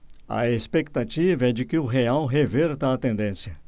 a expectativa é de que o real reverta a tendência